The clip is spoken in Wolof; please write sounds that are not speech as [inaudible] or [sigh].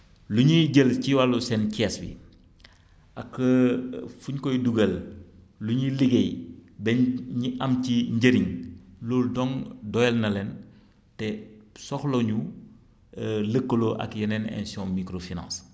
lu ñuy jël ci wàllu seen kees bi [smacks lips] ak [hesitation] fiñ koy dugal lu ñuy liggéey ba ñi am ci njëriñ loolu dong doyal na leen te soxla wuñu [hesitation] lëkkaloo ak yeneen institution microfinances